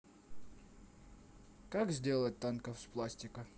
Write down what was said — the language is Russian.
как сделать танков из пластилина